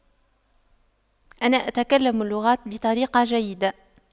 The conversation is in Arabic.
انا اتكلم اللغات بطريقة جيدة